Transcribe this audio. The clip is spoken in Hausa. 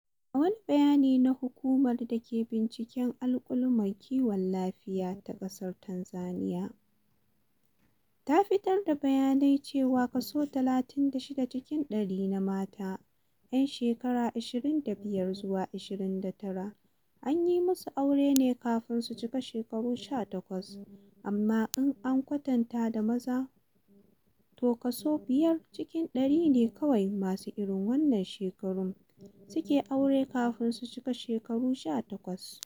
Wani bayani da Hukumar da ke Binciken Alƙaluman Kiwon Lafiya ta ƙasar Tanzaniya ta fitar ya bayyana cewa kaso 36 cikin ɗari na mata 'yan shekara 25 zuwa 29 an yi musu aure ne kafin su cika shekaru 18, amma in an kwatanta da maza to kaso 5 cikin ɗari ne kawai masu irn wannan shekarun suke aure kafin su cika shekaru sha 18.